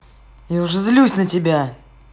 я уже злюсь на тебя